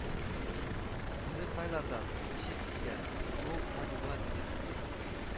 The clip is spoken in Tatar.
Үзе кайлардан, ничек килгән бу матбугат дөньясына